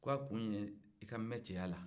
k'a kun ye i ka mɛn cɛya la